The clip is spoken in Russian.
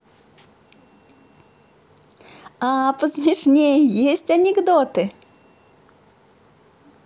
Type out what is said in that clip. а посмешнее есть анекдоты